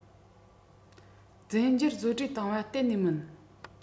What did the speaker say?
རྫས འགྱུར བཟོ གྲྭས བཏང པ གཏན ནས མིན